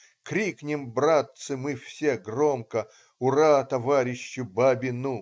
Крикнем братцы мы все громко Ура, товарищу Бабину.